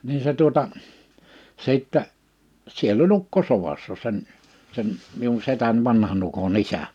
niin se tuota sitten siellä oli ukko sodassa sen sen minun setäni vanhan ukon isä